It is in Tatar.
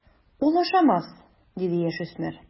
Ул ашамас, - диде яшүсмер.